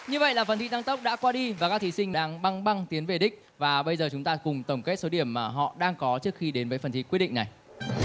như vậy là phần thi tăng tốc đã qua đi và các thí sinh đang băng băng tiến về đích và bây giờ chúng ta cùng tổng kết số điểm mà họ đang có trước khi đến với phần thi quyết định này